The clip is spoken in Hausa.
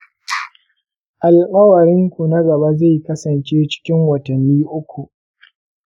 alƙawarinku na gaba zai kasance cikin watanni uku.